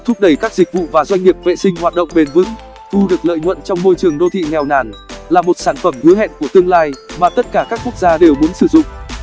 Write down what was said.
thúc đẩy các dịch vụ và doanh nghiệp vệ sinh hoạt động bền vững thu được lợi nhuận trong môi trường đô thị nghèo nàn là một sản phẩm hứa hẹn của tương lai mà tất cả các quốc gia đều muốn sử dụng